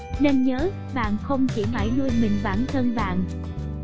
nên nhớ bạn không chỉ mãi nuôi mình bản thân bạn